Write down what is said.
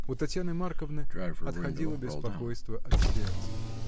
У Татьяны Марковны отходило беспокойство от сердца.